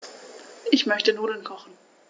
Ich möchte Nudeln kochen.